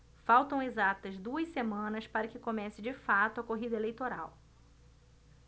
faltam exatas duas semanas para que comece de fato a corrida eleitoral